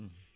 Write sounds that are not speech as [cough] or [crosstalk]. [hesitation] [hesitation]